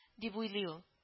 —дип уйлый ул